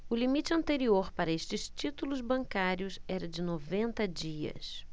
o limite anterior para estes títulos bancários era de noventa dias